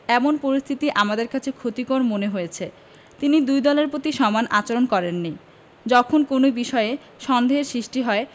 এমন পরিস্থিতি আমাদের কাছে ক্ষতিকর মনে হয়েছে তিনি দুই দলের পতি সমান আচরণ করেননি যখন কোনো বিষয়ে সন্দেহের শিষ্টি হয়